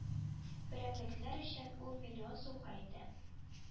Берәмлекләр өчен ул миллион сумга итә